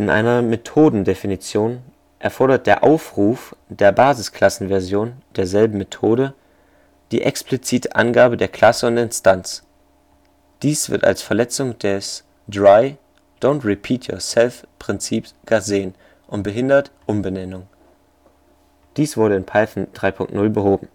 einer Methodendefinition erfordert der Aufruf der Basisklassenversion derselben Methode die explizite Angabe der Klasse und Instanz. Dies wird als Verletzung des DRY (Don't Repeat Yourself) - Prinzips gesehen und behindert Umbenennungen (dies wurde in Python 3.0 behoben